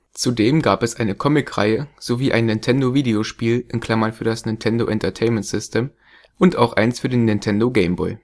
Zudem gab es eine Comicreihe sowie ein Nintendo-Videospiel (für das NES) und auch eins für den Nintendo „ GameBoy